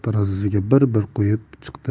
tarozusiga bir bir qo'yib chiqdi